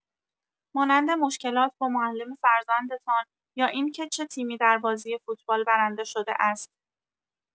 مانند مشکلات با معلم فرزندتان یا اینکه چه تیمی در بازی فوتبال برنده شده است.